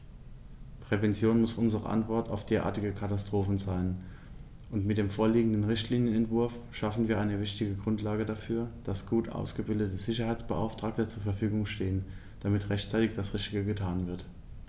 Prävention muss unsere Antwort auf derartige Katastrophen sein, und mit dem vorliegenden Richtlinienentwurf schaffen wir eine wichtige Grundlage dafür, dass gut ausgebildete Sicherheitsbeauftragte zur Verfügung stehen, damit rechtzeitig das Richtige getan wird.